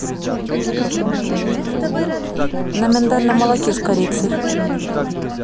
на миндальном молоке с корицей